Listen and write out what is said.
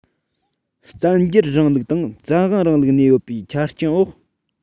བཙན རྒྱལ རིང ལུགས དང བཙན དབང རིང ལུགས གནས ཡོད པའི ཆ རྐྱེན འོག